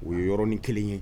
O ye yɔrɔn ni kelen ye